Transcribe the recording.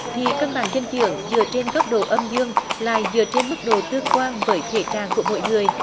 thì cân bằng dinh dưỡng dựa trên cấp độ âm dương lại dựa trên mức độ tương quan với thể trạng của mỗi người